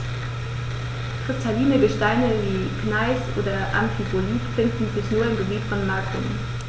Kristalline Gesteine wie Gneis oder Amphibolit finden sich nur im Gebiet von Macun.